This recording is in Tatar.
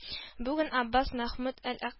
Бүген Аббас Мәхмүт әл-Ак